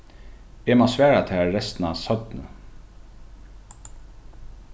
eg má svara tær restina seinni